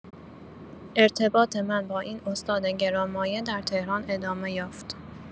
ارتباط من با این استاد گرانمایه در تهران ادامه یافت.